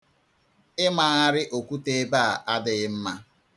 Ịmagharị okwute ebe a adịghị mma.